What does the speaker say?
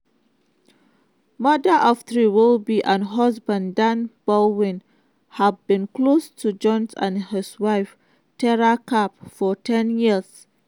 Mother-of-three Willoughby and husband Dan Baldwin have been close to Jones and his wife Tara Capp for ten years.